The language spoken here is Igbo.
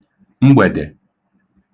mgbèdè